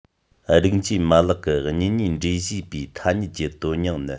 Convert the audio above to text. རིགས འབྱེད མ ལག གི གཉེན ཉེའི འབྲེལ བཞེས པའི ཐ སྙད ཀྱི དོན སྙིང ནི